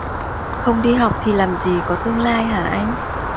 không đi học thì làm gì có tương lai hả anh